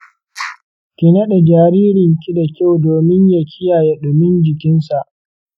ki nade jaririnki da kyau domin ya kiyaye dumin jikinsa